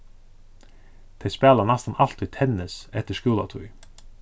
tey spæla næstan altíð tennis eftir skúlatíð